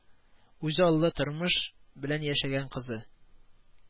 Үзаллы тормыш белән яшәгән кызы